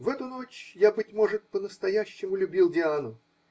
В эту ночь я, быть может, по настоящему любил Диану.